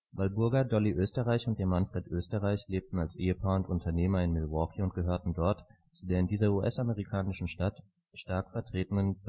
Walburga „ Dolly “Oesterreich und ihr Mann Fred Oesterreich lebten als Ehepaar und Unternehmer in Milwaukee und gehörten dort zu der in dieser US-amerikanischen Stadt stark vertretenen